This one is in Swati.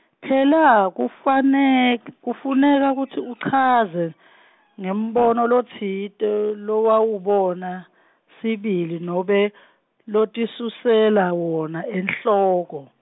phela, kufanek- kufuneka kutsi uchaze , ngembono lotsite, lowawubona sibili, nobe lotisusela wona, enhloko.